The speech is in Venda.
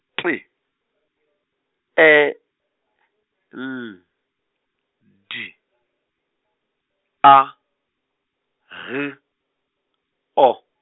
T, E, L, D, A, Z, O.